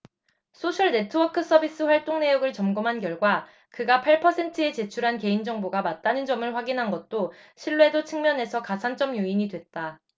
소셜네트워크서비스 활동내역을 점검한 결과 그가 팔 퍼센트에 제출한 개인정보가 맞다는 점을 확인한 것도 신뢰도 측면에서 가산점 요인이 됐다